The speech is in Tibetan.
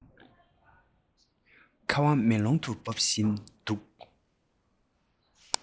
ཁ བ མེ ལོང དུ འབབ བཞིན འདུག